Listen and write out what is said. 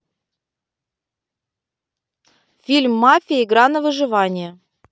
фильм мафия игра на выживание